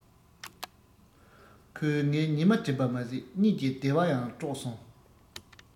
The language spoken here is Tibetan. ཁོས ངའི ཉི མ སྒྲིབ པ མ ཟད གཉིད ཀྱི བདེ བ ཡང དཀྲོགས སོང